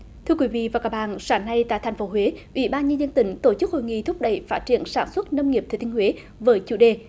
thưa quý vị và các bạng sáng nay tại thành phố huế ủy ban nhân dân tỉnh tổ chức hội nghị thúc đẩy phát triểng sảng xuất nông nghiệp thừa thiêng huế với chủ đề